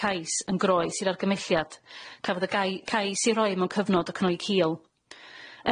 cais yn groes i'r argymelliad cafodd y gai- cais ei roi mewn cyfnod o cnoi cul.